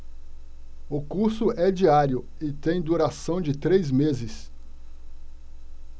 o curso é diário e tem duração de três meses